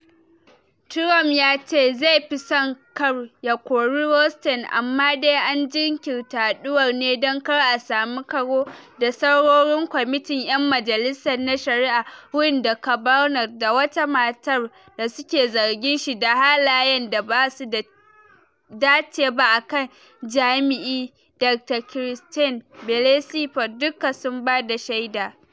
Trump ya ce zai “fi son kar” ya kori Rosenstein amma dai an jinkirta haduwar ne dan kar a samu karo da sauraron kwamitin ‘yan majalisa na Shari’a wurin da Kavanaugh da wata matar da suke zargin shi da halayen da ba su dace ba akan jima’i, Dr Christine Blasey Ford, dukka sun bada shaida.